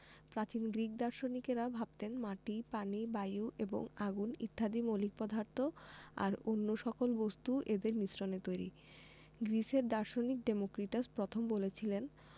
প্রাচীন গ্রিক দার্শনিকেরা ভাবতেন মাটি পানি বায়ু এবং আগুন ইত্যাদি মৌলিক পদার্থ আর অন্য সকল বস্তু এদের মিশ্রণে তৈরি গ্রিসের দার্শনিক ডেমোক্রিটাস প্রথম বলেছিলেন